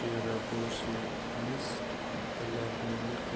jo'raboshimiz bilag'onlik qilib